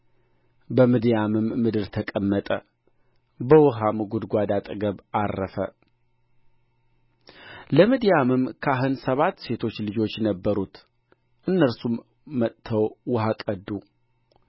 በምድያምም ምድር ተቀመጠ በውኃም ጕድጓድ አጠገብ ዐረፈ ለምድያምም ካህን ሰባት ሴቶች ልጆች ነበሩት እነርሱም መጥተው ውኃ ቀዱ